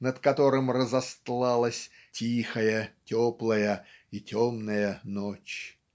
над которым разостлалась "тихая теплая и темная ночь".